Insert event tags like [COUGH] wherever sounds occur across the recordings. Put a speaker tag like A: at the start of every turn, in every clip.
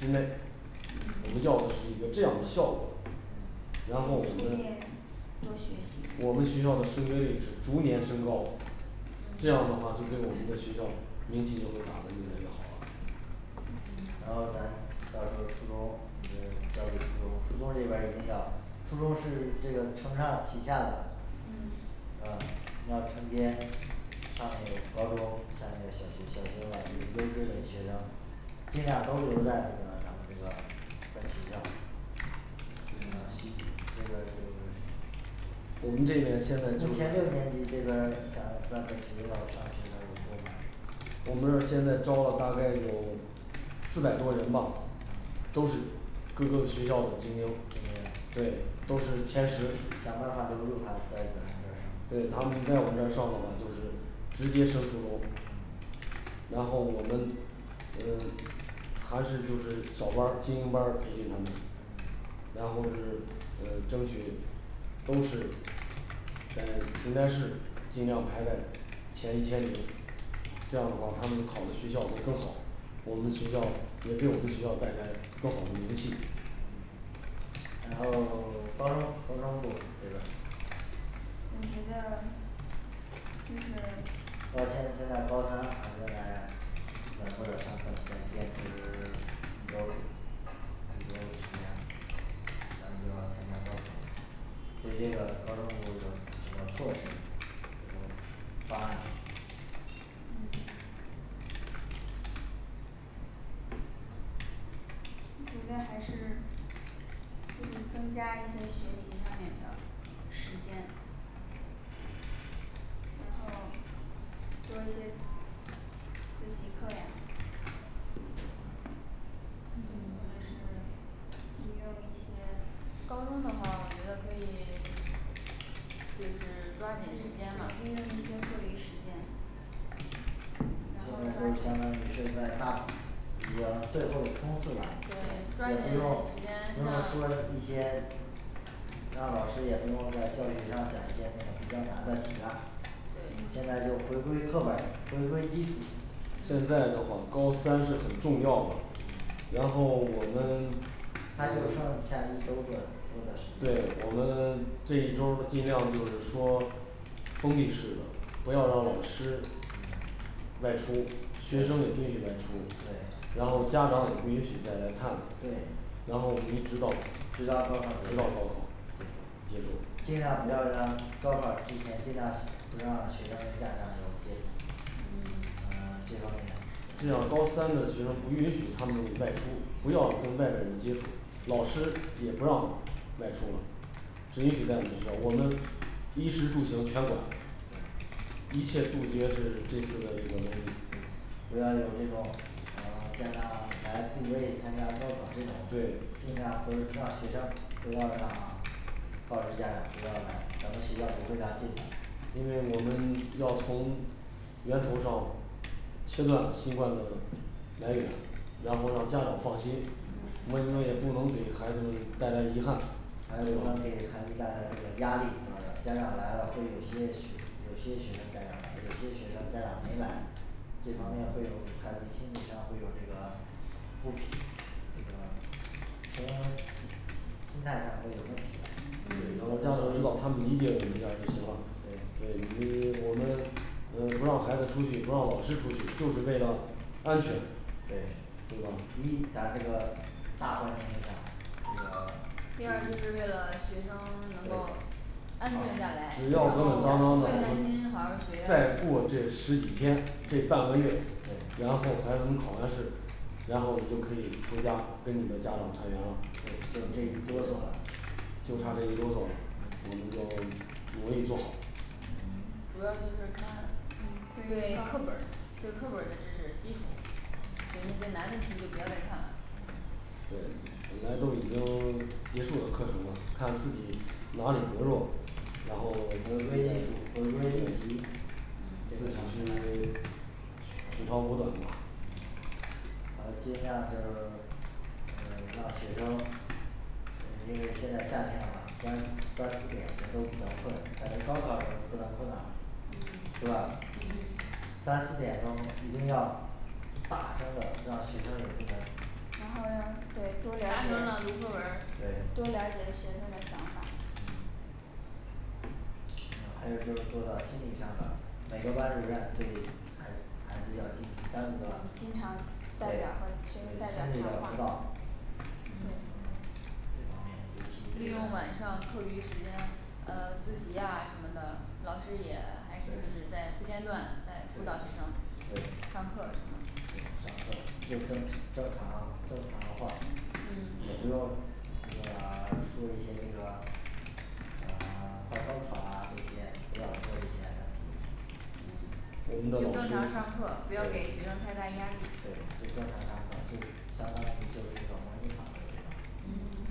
A: 之内我们要的是一个这样的效果
B: 可以。
A: 然后我
B: 促进
A: 们
B: 多学习
A: 我们学校的升学率是逐年升高这样的话就给我们的学校名气就会打的越来越好
C: 嗯
A: 了
C: 嗯
D: 然后咱到时候儿初中嗯交给初中初中这边儿一定要初中是这个承上启下的，
C: 嗯是
D: 嗯你要承接上面有高中下面有小学小学把这个优质嘞学生尽量都留在这个咱们这个本学校旧校区旧校区就是目
A: 我们这
D: 前
A: 边现在就是
D: 六年级这边儿想在本学校上学的有多嘛
A: 我们现在招了大概有四百多人吧都是各个学校的精英
D: 精
A: 对都是前
D: 英
A: 十
D: 想办法留住他，在咱们这儿
A: 对
D: 上
A: 他们在我们这儿上的话就是直接升初中然后我们呃还是就是小班儿精英班儿培训他们然后是呃争取都是在邢台市尽量排在前一千名，这样的话他们考的学校会更好，我们学校也给我们学校带来更好的名气
D: 然后 [SILENCE] 高中高中部儿这边儿
B: 我觉得就是
D: 高现现在高三还在 [SILENCE] 稳步的上升再坚持 [SILENCE] 一周儿一周儿时间，咱们就要参加高考了对这个高中部有什么措施方案
B: 嗯我觉得还是就是增加一些学习上面的时间然后多一些自自习课呀或
C: 嗯
B: 者是利用一些
C: 高中的话我觉得可以 [SILENCE] 就
B: 有利
C: 是抓紧时间嘛
B: 用一些课余时间
D: 现在就相当于是在大已经最后的冲刺了
C: 对抓，
D: 也
C: 紧
D: 不用不用说一
C: 时间上
D: 些让老师也不用在教学上讲一些那个比较难的题啦
C: 对
D: 现在就回归课本儿，回归基础
A: 现在的话高三是很重要，然后我们
D: 他就剩
A: 嗯 [SILENCE]
D: 下一周儿多多的时间
A: 对，我们这一周儿尽量就是说封闭式的，不要让老师外出，学生也不允许外出
D: 对
A: 然后家长也不允许再来看
D: 对
A: 然后我们一直到直到高考
D: 对
A: 结束
D: 尽量不要让高考儿之前尽量不让学生跟家长有接
C: 嗯
D: 触呃这方面
A: 这样高三的学生不允许他们外出，不要跟外面人接触，老师也不让外出了只允许在我们学校，我们衣食住行全管，一切杜绝是这次的这个瘟疫
D: 不要有这种呃家长来助威参加高考儿这种
A: 对
D: 尽量不是让学生不要让 [SILENCE] 告知家长不要来，咱们学校不会让他进
A: 因为我们
D: 来
A: 要从源头上切断新冠的来源，然后让家长放心
C: 嗯
A: 我们因为不能给孩子们带来遗憾
D: 还不能给孩子带来这个压力是不是家长来了会有些学，有些学生家长来有些学生家长没来这方面会有，孩子心理上会有这个 [SILENCE] 不匹这个呃 [SILENCE] 心态上都有问题了
A: 对
D: 嗯
A: 然后家长知道他们理解我们这样就行了，，对
D: 对
A: 因为我们嗯不让孩子出去，不让老师出去，就是为了安全
D: 对
A: 对吧？
D: 一咱为了大部分影响这个对
C: 第二就是为了学生能够安全下来
A: 只要稳
C: 然
A: 稳当当
C: 后
A: 的
C: 战战兢兢好好，
A: 在过
C: 儿
A: 这十
C: 学
A: 几，天这半个月，
D: 对
A: 然后还能考完试然后你就可以回家跟你的家长团圆了
D: 对就这一哆嗦了
A: 就差这一哆嗦了。我们就努力做好
C: 主要就是看对课
B: 嗯对
C: 本儿对课本儿知识基础
D: 嗯，
C: 那些难问题就不要再看了
A: 对，本来都已经结束了课程了，看自己哪里薄弱，然后
D: 回归基础回归预习
A: 自己
C: 嗯
A: 去取取长补短吧
D: 然后接下就是 [SILENCE] 呃让学生呃因为现在夏天了嘛三三四点人都比较困但是高考的时候你不能困啊对
C: 嗯
D: 吧？
C: 对
D: 三四点钟一定要大声的让学生有这个
B: 然后让对
D: 对
B: 多了
C: 大声朗读
B: 解
C: 作文儿
B: 多了解
D: 嗯
B: 学生的想法
D: 行还有就是做到心理上的每个班主任对孩子孩子要进行单独的
B: 经常代
D: 对
B: 表和
D: 就
B: 亲
D: 心
B: 自带他们
D: 理的
B: 谈
D: 辅
B: 话
D: 导
C: 嗯
D: 对这方面
C: 利用晚上课
D: 尤
C: 余
D: 其
C: 时
D: 是
C: 间
D: [SILENCE]
C: 呃自习啊什么的，老师也还是就是在不
D: 对
C: 间断在辅导学生
D: 对对对
C: 上
D: 上
C: 课
D: 课
C: 什么嗯
D: 就跟正常正常的话也不用这个 [SILENCE] 做一些这个呃 [SILENCE] 快高考啊这些辅导课这些问题
A: 我们的
C: 就正
A: 老
C: 常
A: 师
C: 上
D: 对对就正常上课
C: 课，不
A: 对
C: 要给
A: 对
C: 学生太大压力
D: 就相当于就这种模拟考就这种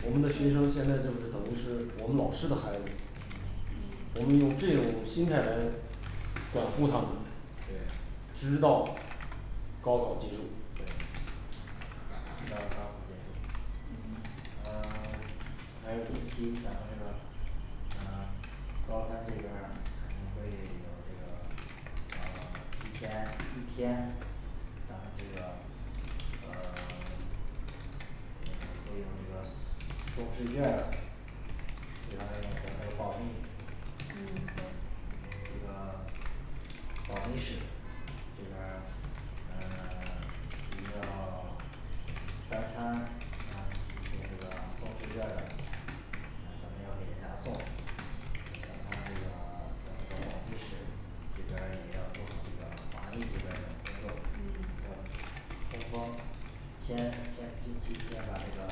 C: 嗯
A: 我们的学生现在
B: 对
A: 就是等于是我们老师的孩子
B: 嗯
A: 我们用这种心态来管护他们
D: 对，
A: 直到高考结束
D: 对直到高考结束
B: 嗯
D: 呃还有近期咱们那个呃高三这边儿可能会有这个呃一天一天咱们这个呃 [SILENCE] 这个会有一个偷试卷儿的是在咱这个保密
C: 嗯对
D: 这个保密室这边儿呃 [SILENCE] 一定要三餐让他们去这个 [SILENCE] 咱们要给他送让他这个让他在保密室这边儿也要做好这个防疫负责人
C: 嗯
D: 工作要通风先先近期先把这个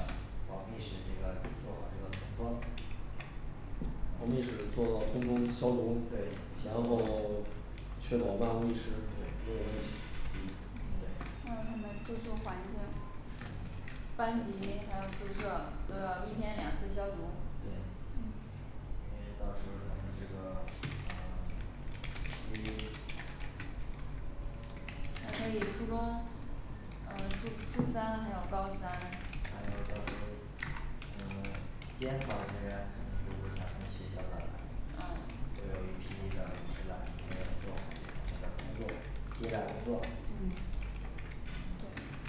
D: 保密室这个做好这个通风
A: 保密室做好通风消毒
D: 对
A: 然后确保万无一失
D: 对
A: 嗯
B: 还有他们住宿环境
C: 班级还有宿舍都要一天两次消毒
D: 对
B: 嗯
D: 因为到时候儿咱这个呃七
C: 咱们以初中呃初初三还有高三
D: 还有高三呃 [SILENCE] 监考人员肯定都不是咱们学校的吧
C: 嗯
D: 会有一批的老师来你们要做好这方面工作接待工作
C: 嗯对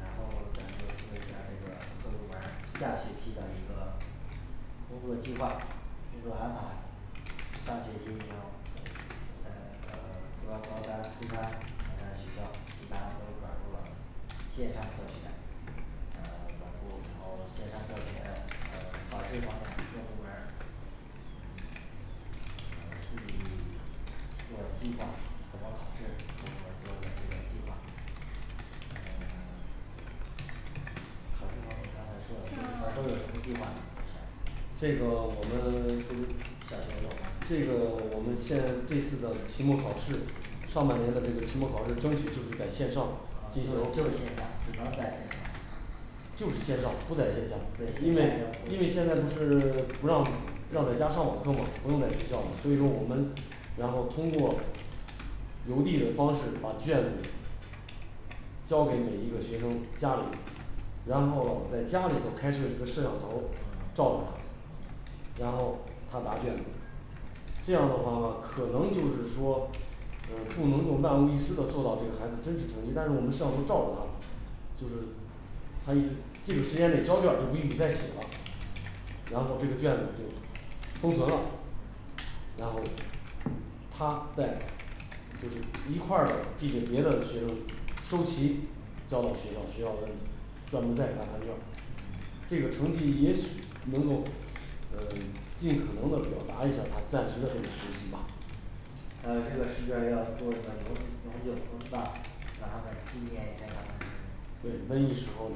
D: 然后咱就可以在这个各部门儿下学期的一个 [SILENCE] 工作计划工作安排上学期中现在除了高三初三，还在学校，其他都转入了线上教学呃 [SILENCE] 然后线上教学呢呃考试方面各部门儿嗯呃 [SILENCE] 具体做计划怎么考试都要做个这个计划呃 [SILENCE] 考试方面刚才说了
A: 这个我们都
D: 想清楚了
A: 这个我们现这次的期末考试上半年的这个期末考试争取就是在线上
D: 啊就
A: 进
D: 是
A: 行
D: 线下只能在线上
A: 就是线上不在线下，因为因为
D: 对
A: 现
D: 现在
A: 在不是不让让在家上网课嘛，不用在学校，所以说我们然后通过邮递的方式把卷子交给每一个学生家里，然后在家里头开设一个摄像头儿
D: 噢
A: 照着他然后他答卷子这样的话可能就是说呃不能够万无一失的做到这个孩子真实成绩，但是我们摄像头儿照着他就是他就是这个时间内交卷儿就不允许再写了。然后这个卷子就封存了然后他在就是一块儿的递给别的学生收齐，交到学校学校专门再给他判卷这个成绩也许能够呃尽可能的表达一下他暂时的这个学习吧
D: 还有这个试卷儿要做一个永永久封档让他们纪念一下儿他们
A: 对瘟疫时候儿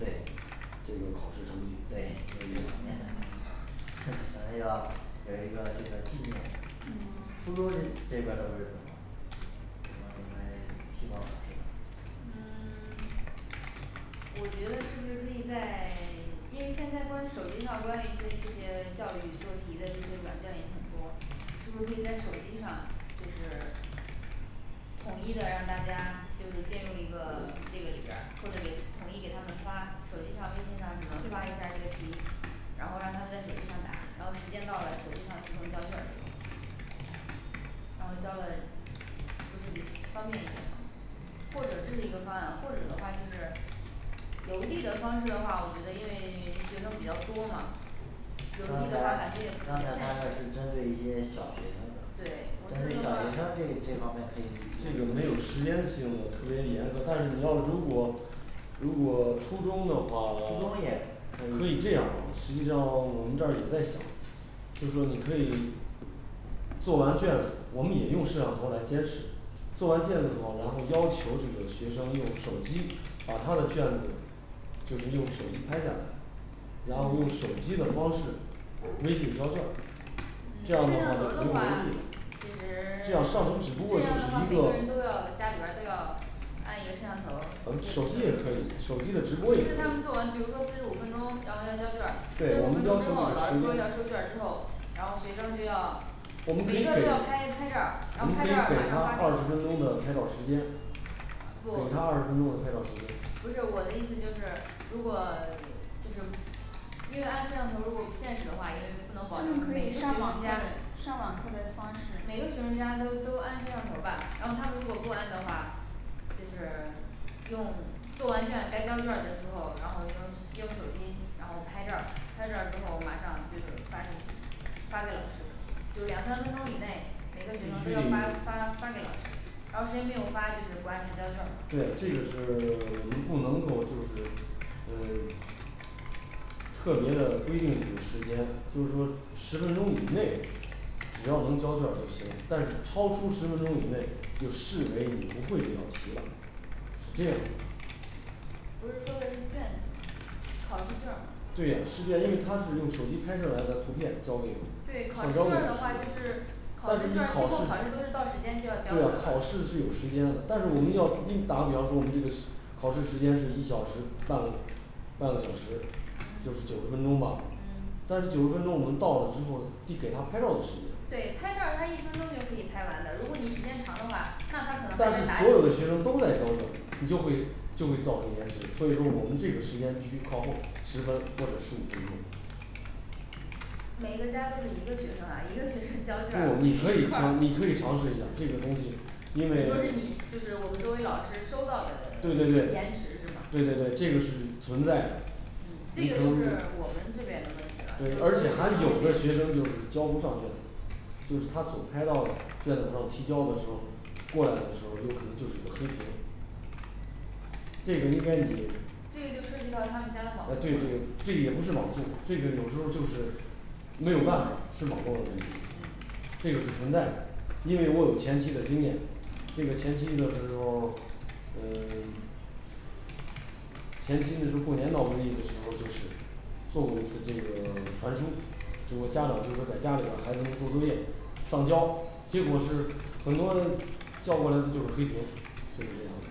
D: 对
A: 的
D: 对
A: [SILENCE] 这
D: 就是
A: 个考试
D: 这方
A: 成绩
D: 面的
A: 嗯
D: 哼咱们要留一个这个纪念
C: 嗯
D: 初中这这边儿都是怎么这个我们希望还是
C: 嗯 [SILENCE] 我觉得是不是可以在， [SILENCE] 因为现在关于手机上关于一些这些教育做题的这些软件儿也很多，是不是可以在手机上就是统一的让大家就是进入一个这个里边儿，或者给统一给他们发手机上微信上那个发一下儿这个题然后让他们在手机上答，然后时间到了，手机上自动交卷儿这种，然后交了就是比方便一点嘛或者这是一个方案，或者的话就是邮递的方式的话，我觉得因为学生比较多嘛
D: 刚才
C: 邮递的话感觉也不怎
D: 刚
C: 么
D: 才他们
C: 现
D: 是针对一些
C: 实
D: 小学生
C: 对我
D: 但
C: 觉得
D: 是小学生这这
C: 话
D: 方面可以
A: 这个没有时间性的特别严格但是你要如果如果初中的话，
D: 初中也
A: [SILENCE] 可
D: 可
A: 以
D: 以
A: 这样儿，实际上我们这儿也在想就是说你可以做完卷子，我们也用摄像头来监视，做完卷子之后，然后要求这个学生用手机把他的卷子就是用手机拍下来然后用手机的方式，微信操作
C: 你这
A: 这
C: 样
A: 样的
C: 的说
A: 话
C: 法
A: 呢
C: 确实这
A: 这
C: 样
A: 样
C: 的
A: 摄摄
C: 话
A: 像，头只不过就是一
C: 每个人都
A: 个
C: 要家里边儿都要按一个摄像头儿
A: 咱们
C: 就
A: 手机也可以，手机的直播也可以
C: 是他们做完，比如说四十五分钟，然后要交卷儿，四十
A: 对我
C: 五分
A: 们要
C: 钟之
A: 求
C: 后老
A: 有
C: 师
A: 时
C: 说要收卷儿之后
A: 间，
C: 然后学生就要每一个都要拍拍照儿
A: 我
C: 然后
A: 们可
C: 拍
A: 以
C: 照
A: 给我们
C: 儿
A: 可以
C: 马
A: 给他
C: 上发
A: 二十
C: 给
A: 分
C: 学生
A: 钟的拍照儿时间给他二十分钟我拍照时
C: 不
A: 间
C: 是我的意思就是，如果 [SILENCE] 就是因为按摄像头儿如果不现实的话，因为不能保证
B: 可
C: 每
B: 以
C: 个学
B: 上网
C: 生家里
B: 上网课的方式
C: 每个学生家都都按摄像头儿吧，然后他如果不按的话，就是用做完卷子该交卷儿的时候，然后用用手机，然后拍照儿，拍照儿之后就是马上发给你发给老师，就两三分钟以内每个
A: 必
C: 学生都
A: 须以
C: 要发发发给老师然后谁没有发就是不按时交卷
A: 对
C: 儿了
A: 这个是 [SILENCE] 我们不能够就是呃 [SILENCE] 特别的规定你的时间就是说十分钟以内只要能交卷儿就行，但是超出十分钟以内，就视为你不会这道题了是这样
C: 不是说的是卷子考试卷儿
A: 对呀是这样，因为他是用手机拍摄来的，图片交给
C: 对考试
A: 上
C: 卷
A: 交给
C: 儿
A: 老
C: 的话就是
A: 师
C: 考
A: 但是
C: 试
A: 你
C: 卷儿因为他考
A: 考试
C: 试都是到时间就要交
A: 对呀
C: 的
A: 考试是有时间的但是我们要给你打个比方说我们这个考试时间是一小时半个半个小时。就是九十分钟
C: 嗯
A: 吧。但是九
C: 嗯
A: 十分钟我们到了之后得给他拍照儿的时间
C: 对拍照儿他一分钟就可以拍完的，如果你时间长的话，怕他可能会
A: 但是
C: 答
A: 所有的学生都在交
C: 题
A: 卷儿，你就会就会造成延迟，所以说我们这个时间必须靠后十分或者十五分钟
C: 每个家都是一个学生啊一个学生交卷儿 [NOISE]
A: 不
C: 一
A: 你
C: 块
A: 可以
C: 儿
A: 你可以尝试一下这个东西。
C: 你
A: 因
C: 说
A: 为对对对
C: 是
A: 对
C: 你就是我们作为老师收到的延迟是吗
A: 对对这个是存在的
C: 嗯这个就是我们这边的问题了就
A: 对
C: 是说
A: 而且还有的
C: 学
A: 学
C: 生
A: 生
C: 那边
A: 就是交不上卷子就是他所拍到的卷子上提交的时候儿，过来的时候儿有可能就是一个黑屏
C: 这
A: 这个
C: 个就
A: 应该也呃
C: 涉及到他们家的网速
A: 对对这
C: 了
A: 个也不是网速，这个有时候儿就是没有办法儿是网络的问题
C: 嗯
A: 这个是存在的，因为我有前期的经验这个前期这个时候儿 [SILENCE] 呃 [SILENCE] 前期那时候儿过年闹瘟疫的时候儿就是做过一次这个 [SILENCE] 传输，就是说家长就是说在家里边儿孩子能做作业上交，结果是很多，交过来的就是黑屏，就是这样的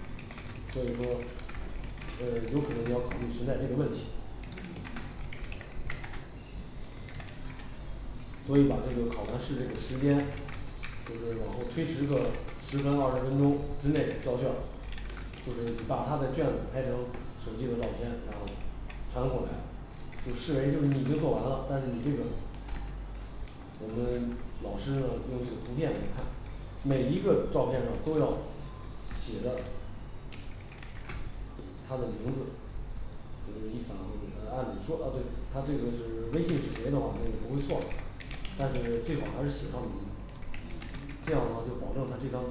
A: 所以说呃有可能就要考虑存在这个问题
D: 嗯
A: 所以把这个考完试这个时间就是往后推迟个十分二十分钟之内交卷儿就是你把他的卷子拍成手机的照片，然后传过来就视为就是你已经做完了，但是你这个我们老师呢用这个图片来看每一个照片上都要写着他的名字就是以防嗯按理说啊对他这个是微信是谁的话那个不会错，但是最好还是写上名字这样的话就保证他这张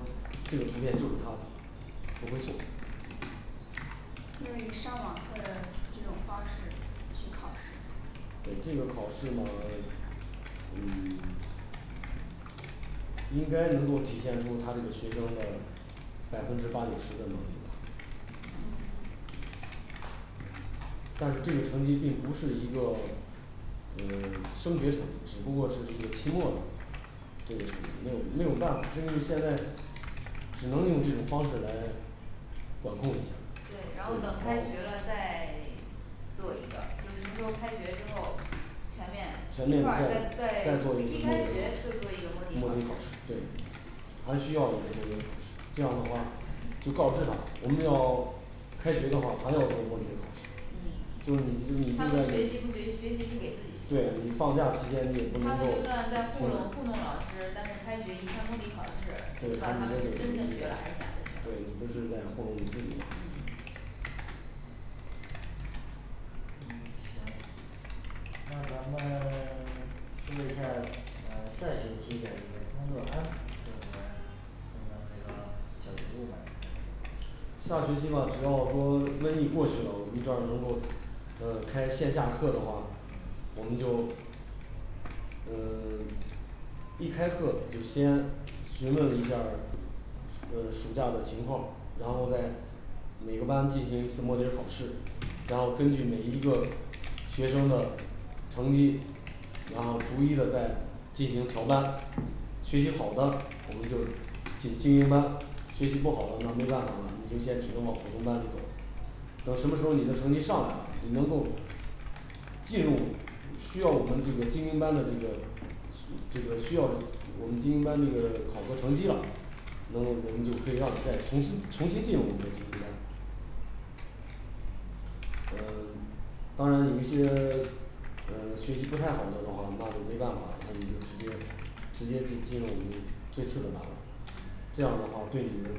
A: 这个图片就是他不会错
B: 因为以上网课的这种方式去考试
A: 对这个考试嘛嗯 [SILENCE] 应该能够体现出他这个学生的百分之八九十的能力吧但是这个成绩并不是一个呃 [SILENCE] 升学成绩，只不过是期末，这个没有没有办法，就是你现在只能用这种方式来管控一下，
C: 对，然后
A: 等到
C: 等开学了再 [SILENCE] 做一个就是说开学之后全
A: 全
C: 面一
A: 面
C: 块儿再再一
A: 再再
C: 开学
A: 做一个模底
C: 就做一个
A: 考摸
C: 模
A: 底
C: 拟考
A: 考
C: 试
A: 对还需要一个摸底儿考试这样的话，就告知他我们要开学的话还要一个模拟的考试
C: 嗯
A: 就是你你住
C: 他
A: 在
C: 们
A: 这
C: 学习不学习学习是
A: 个
C: 给自己
A: 对你
C: 他们
A: 放假期间你也不能够对
C: 就
A: 对他
C: 算
A: 们
C: 在
A: 对
C: 糊弄糊弄老师但是开学一看摸底考试知道他们是真的学了还是假
A: 不
C: 的学
A: 是
C: 了
A: 在糊弄你自
C: 嗯
A: 己
D: 嗯行那咱们 [SILENCE] 说一下呃下学期的一个工作安排各部门儿咱们那个小学部儿吧
A: 下学期吧只要说瘟疫过去了，我们这儿呃能够开线下课的话，我们就呃 [SILENCE] 一开课就先询问一下儿呃暑假的情况，然后再每个班进行一次摸底儿考试，然后根据每一个学生的成绩然后逐一的再进行调班，学习好的我们就进精英班，学习不好的那没办法了，你就先只能往普通班里走等什么时候儿你的成绩上来了，你能够进入需要我们这个精英班的这个需这个需要我们精英班这个考核成绩了那我们就可以让你再从新重新进入我们精英班呃 [SILENCE] 当然有一些 [SILENCE] 呃 [SILENCE] 学习不太好了的话，那就没办法儿了，那你就直接直接进入我们最次的班了这样的话对你们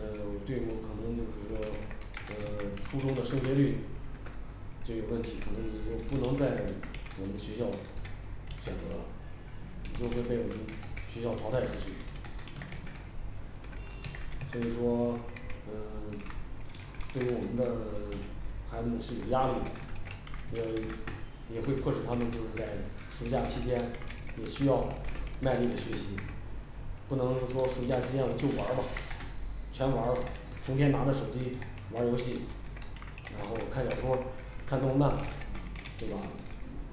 A: 呃 [SILENCE] 对我可能就是说呃 [SILENCE] 初中的升学率这个问题可能你就不能在我们学校选择就会
D: 嗯
A: 被我们学校淘汰出去所以说呃 [SILENCE] 对于我们的孩子们是有压力的因为也会迫使他们就是在暑假期间也需要卖力的学习，不能就说暑假期间我就玩儿吧全玩儿，成天拿着手机玩儿游戏然后看小说儿，看动漫，对吧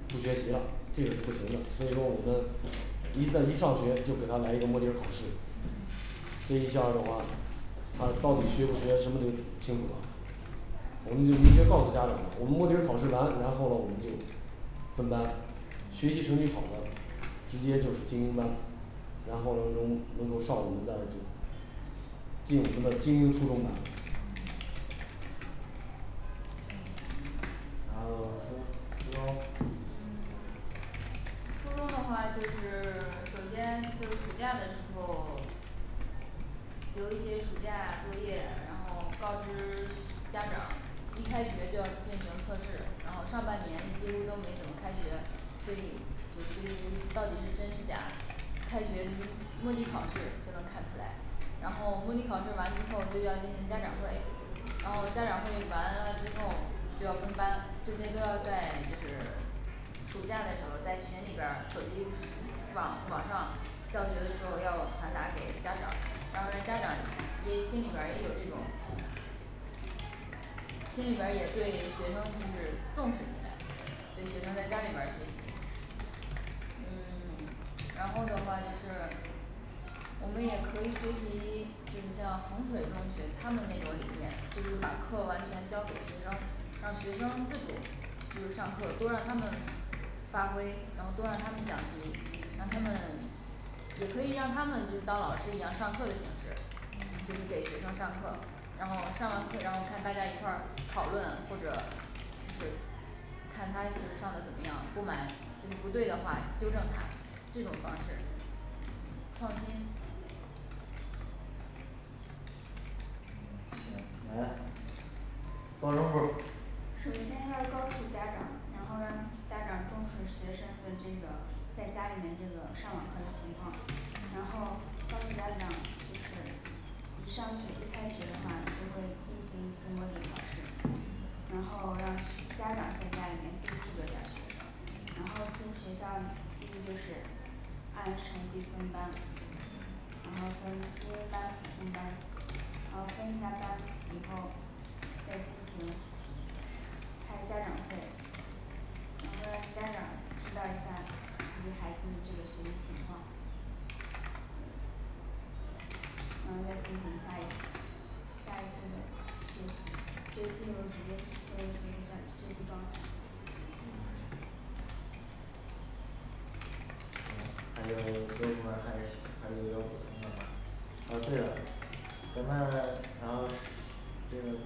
A: 不学习啦，这个是不行的，所以说我们一在一上学就给他来一个模底儿考试
B: 嗯，
A: 这一下儿的话他到底学不学什么都清楚了我们就直接告诉家长了，我们摸底儿考试完，然后我们就分班学习成绩好的，直接就是精英班，然后能能够上我们的这个进我们的精英初中班
D: 行然后我初初中
C: 嗯 [SILENCE] 初中的话就是 [SILENCE] 首先就是暑假的时候 [SILENCE] 留一些暑假作业，然后告知 [SILENCE] 家长一开学就要进行测试，然后上半年几乎都没怎么开学所以就学习到底是真是假。开学摸底考试就能看出来然后模拟考试完之后就要进行家长会，然后家长会完了之后就要分班，这些都要在就是暑假的时候儿在群里边儿手机网网上教学的时候要传达给家长。让咱家长也心里边儿也有这种心里边儿也对学生就是重视起来，对学生在家里边儿学习嗯 [SILENCE] 然后的话就是我们也可以学习就是像衡水中学他们那种理念，就是把课完全交给学生，让学生自主就是上课都让他们发挥，然后都让他们讲题，让他们也可以让他们就是当老师一样上课的形式，就是给学生上课然后上完课然后看大家一块儿讨论或者是看他就是上的怎么样，不管就是不对的话纠正他这种方式创新
D: 嗯行来高中部儿
B: 首先要告诉家长，然后让家长重视学生的这个在家里面那个上网课的情况然后告诉家长就是一上学一开学的话就会进行一次模底考试然后让学 [UNINTELLIGIBLE] 家长在家里面督促着点儿学生然后去学校之后就是按成绩分班，然后分精英班普通班，然后分一下班以后再进行开家长会，然后让家长知道一下您孩子的这个学习情况然后再进行下一步下一次的学习就进入直接学习的学习状态
D: 嗯嗯还有各部门儿还是需还有要补充的吗哦对了。咱们然后涉 [UNINTELLIGIBLE] 这个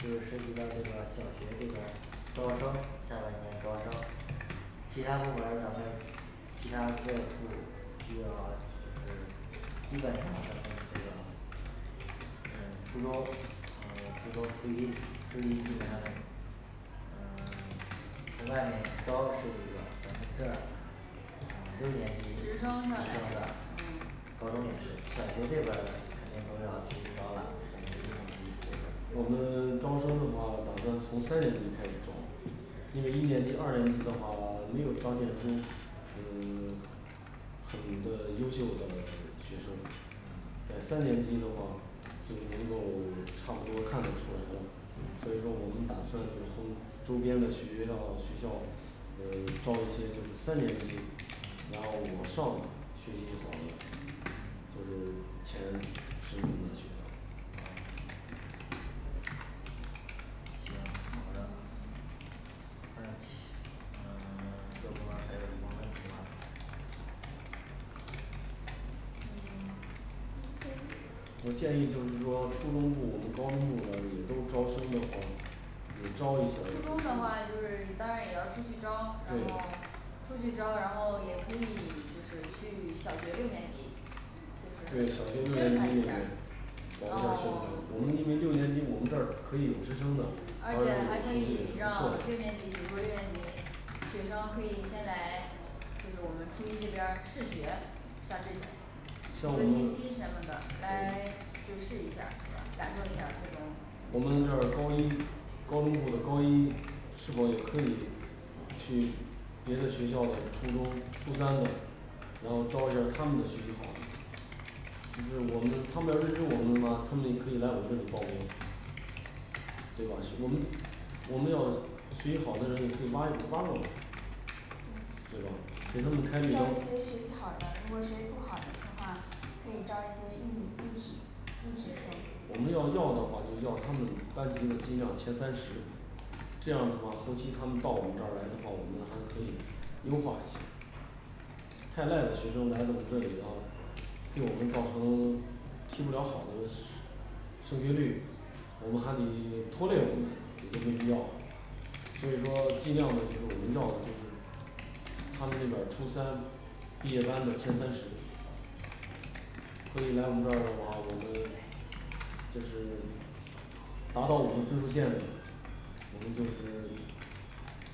D: 就涉及到这个小学这边儿招生，下半年招生，其他部门儿咱们其他各部需要就是基本上咱们这个呃初中呃初中初一初一之前呃 [SILENCE] 从外面招是一个咱们这儿呃六年级
C: 直
D: 直升
C: 升上
D: 上
C: 来嗯
D: 高中也是小学这边儿肯定都要去招了什么地方就是
A: 我们招生的话打算从三年级开始招因为一年级二年级的话没有彰显出呃 [SILENCE] 很多优秀的就是学生在三年级的话就能够差不多看得出来了，所以说我们打算就是从周边的学校学校呃 [SILENCE] 招一些这个三年级然后往上的学习好的，就是前十名的学生
D: 嗯行好的那其呃 [SILENCE] 各部门儿还有什么问题吗
B: 可以
A: 我建议就是说初中部我们高中部的也都是招新的话也招
C: 初
A: 一些就是
C: 中
A: 对
C: 的话就是你当然也要出去招然后出去招，然后也可以就是去小学六年级就是
A: 对小学六
C: 宣传
A: 年
C: 一
A: 级
C: 下儿
A: 我
C: 然
A: 们
C: 后
A: 这儿是我们因为六年级我们这儿可以有直升的，
C: 而
A: 而且
C: 且
A: 也
C: 还可
A: 可
C: 以
A: 以
C: 让六年级组织愿意学生可以先来就是我们初中这边儿试学像之前
A: 像
C: 一
A: 我
C: 个星
A: 们
C: 期什么的，
A: 对
C: 来就是试一下儿感受一下儿初中
A: 我们这儿高一高中部的高一是否也可以去别的学校的初中初三的然后招一下儿他们的学习好的就是我们他们要认识我们的话，他们也可以来我们这里报名对吧？学我们我们要学习好的人会帮你帮助你对吧？给他们
B: 招一
A: 开美高
B: 些学习好的，如果学习不好的话，可以招一些艺艺体艺体生
A: 我们要要的话就要他们班级尽量前三十这样儿的话后期他们到我们这儿来的话，我们还可以优化一些太烂的学生来到我们这里的话给我们造成提不了好的升 [UNINTELLIGIBLE] 升学率我们还得 [SILENCE] 拖累我们没有必要？所以说尽量的我们要的就是他们那边儿初三毕业班的前三十可以来我们这儿的话，我们就是达到我们分数儿线的我们就是